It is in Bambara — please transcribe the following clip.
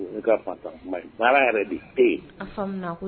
Baara yɛrɛ de